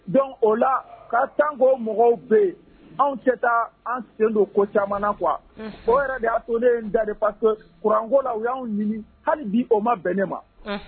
Donc o la ka tant que o mɔgɔw bɛ yen anw cɛ taa an sen don ko caman quoi unhun, o yɛrɛ de y'a to ne ye n dade parce que kuranko la u y'an ɲini hali bi o ma bɛn ne ma, unh